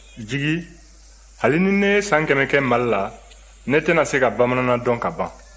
jigi hali ni ne ye san kɛmɛ kɛ mali la ne tɛna se ka bamanana dɔn ka ban